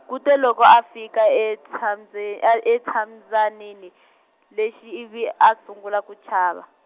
kute loko a fika e tshambye- a exintshabyanini , lexi ivi a sungula ku chava.